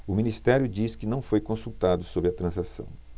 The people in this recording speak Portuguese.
o ministério diz que não foi consultado sobre a transação